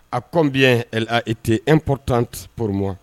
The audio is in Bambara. A kɔnbi tɛ e potan purma